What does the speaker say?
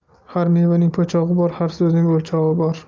har mevaning po'chog'i bor har so'zning o'lchovi bor